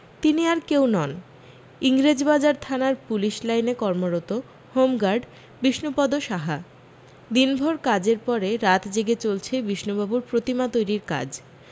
তিনি আর কেউ নন ইংরেজবাজার থানার পুলিশ লাইনে কর্মরত হোমগার্ড বিষণুপদ সাহা দিনভর কাজের পরে রাত জেগে চলছে বিষণুবাবুর প্রতিমা তৈরীর কাজ